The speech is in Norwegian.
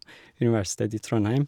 Universitetet i Trondheim.